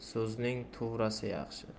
so'zning tuvrasi yaxshi